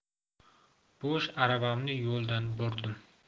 bo'sh aravamni yo'ldan burdim